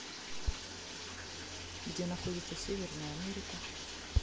где находится северная америка